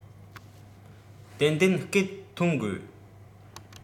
ཏན ཏན སྐད ཐོན དགོས